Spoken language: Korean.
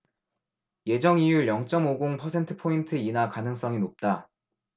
예정이율 영 쩜 오 공 퍼센트포인트 인하 가능성이 높다